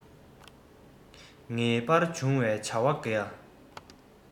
ངེས པར འབྱུང བའི བྱ བ འགའ